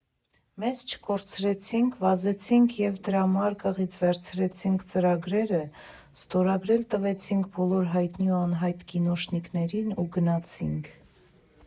Մեզ չկորցրեցինք, վազեցինք և դրամարկղից վերցրեցինք ծրագրերը, ստորագրել տվեցինք բոլոր հայտնի ու անհայտ կինոշնիկներին ու գնացինք.